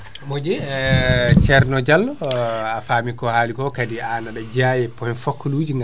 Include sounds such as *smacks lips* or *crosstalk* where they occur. *smacks lips* *noise* moƴƴi *hesitation* ceerno Diallo *smacks lips* *hesitation* a faami ko haali ko kaadi an aɗa jeeya e point focale uji